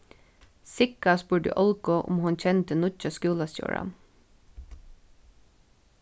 sigga spurdi olgu um hon kendi nýggja skúlastjóran